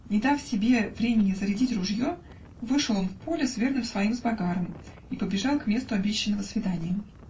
Не дав себе времени зарядить ружье, вышел он в поле с верным своим Сбогаром и побежал к месту обещанного свидания.